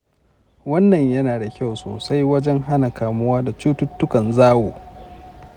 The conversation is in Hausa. wannan yana da kyau sosai wajen hana kamuwa da cututtukan zawo.